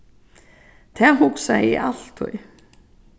tað hugsaði eg altíð